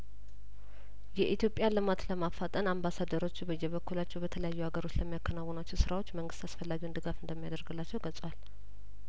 የኢትዮጵያን ልማት ለማፋጠን አምባሳደሮቹ በየበኩላቸው በተለያዩ አገሮች ለሚያከናውኗቸው ስራዎች መንግስት አስፈላጊውን ድጋፍ እንደሚያደርግላቸው ገልጿል